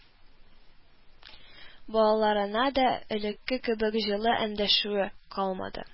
Балаларына да элекке кебек җылы эндәшүе калмады